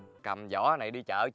cầm giỏ này đi chợ